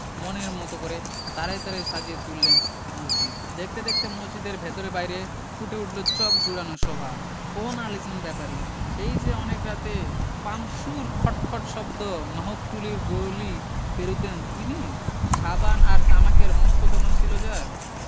মনের মতো করে তারায় তারায় সাজিয়ে তুললেন মসজিদ দেখতে দেখতে মসজিদের ভেতরে বাইরে ফুটে উঠলো চখ জুড়োনো শোভা কোন আলীজান ব্যাপারী সেই যে অনেক রাতে পাম্পসুর খট খট শব্দ মাহুতটুলির গলি পেরুতেন তিনি সাবান আর তামাকের মস্ত দোকান ছিল যার